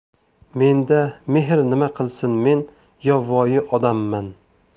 menda mehr nima qilsin men yovvoyi odamman